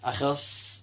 Achos.